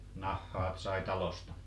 nahat sai talosta